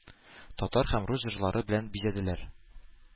Татар һәм рус җырлары белән бизәделәр